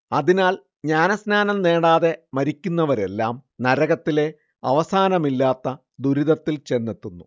അതിനാൽ ജ്ഞാനസ്നാനം നേടാതെ മരിക്കുന്നവരെല്ലാം നരകത്തിലെ അവസാനമില്ലാത്ത ദുരിതത്തിൽ ചെന്നെത്തുന്നു